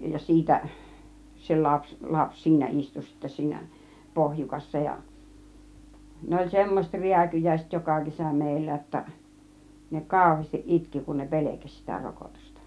ja siitä se lapsi lapsi siinä istui sitten siinä pohjukassa ja ne oli semmoiset rääkyjäiset joka kesä meillä jotta ne kauheasti itki kun ne pelkäsi sitä rokotusta